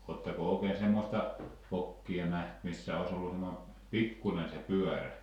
oletteko oikein semmoista vokkia nähnyt missä olisi ollut semmoinen pikkuinen se pyörä